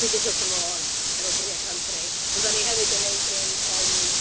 Dwi jyst wrth fy modd efo brie a cranberry. Ond dan ni hefyd yn wneud un tym